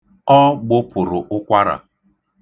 Ọ gbụpụrụ ụkwara.